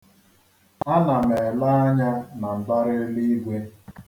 Ana m ele anya na mbaraeluigwe.